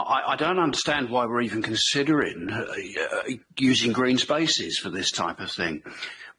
I don't understand why we're even considering using green spaces for this type of thing.